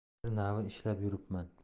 bir navi ishlab yuribman